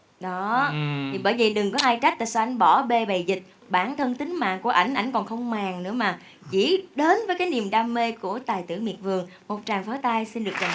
đó thì bởi vậy đừng có ai trách tại sao anh bỏ bê bầy dịch bản thân tính mạng của ảnh còn không màng nữa mà chỉ đến với cái niềm đam mê của tài tử miệt vườn một tràng pháo tay xin được dành